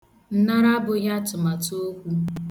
Nnara abụghị atụmaatụ okwu.